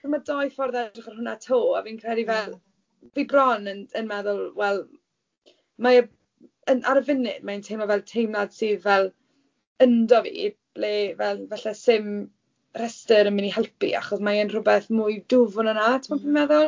Ond mae dou ffordd o edrych ar hwnna to, a fi'n credu fel fi bron yn yn meddwl, wel mae e yn ar y funud. Mae'n teimlo fel teimlad sydd fel ynddo fi, ble fel falle 'sdim rhestr yn mynd i helpu, achos mae e'n rhywbeth mwy dwfwn yna, timod be dwi'n meddwl?